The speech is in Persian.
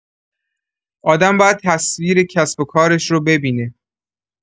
آدم باید تصویر کسب‌وکارش رو ببینه.